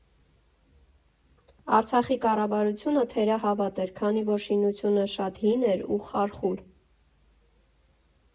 Արցախի կառավարությունը թերահավատ էր, քանի որ շինությունը շատ հին էր ու խարխուլ։